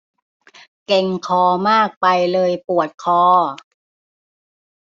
เกร็งคอมากไปเลยปวดคอ